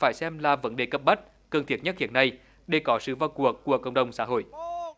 phải xem là vấn đề cấp bách cần thiết nhất hiện nay để có sự vào cuộc của cộng đồng xã hội